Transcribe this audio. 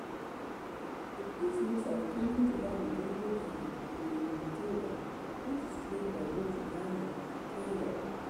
The piece looks at the conflict over Migingo island in Lake Victoria, which is claimed by both Uganda and Kenya.